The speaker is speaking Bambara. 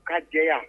K ka diya yan